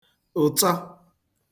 ụ̀tsọ